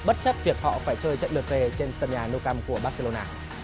bất chấp việc họ phải chơi trận lượt về trên sân nhà nu căm của bác xê lô na